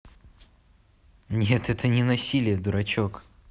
нет это не насилие дурачок